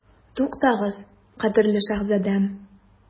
Туктагыз, кадерле шаһзадәм.